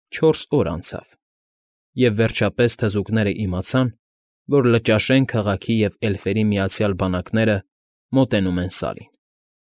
Չորս օր անցավ և վերջապես, թզուկներն իմացան, որ Լճաշեն քաղաքի և էլֆերի միացյալ բանակները մոտենում են Սարին։